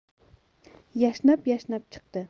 yashnab yashnab chiqdi